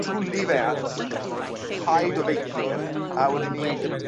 twli fe at t'mod haid o feicwyr a wedyn 'ny